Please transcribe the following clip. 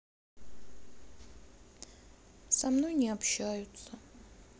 со мной не общаются